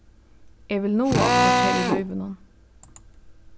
eg vil náa okkurt her í lívinum